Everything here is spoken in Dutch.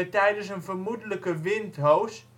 tijdens een vermoedelijke windhoos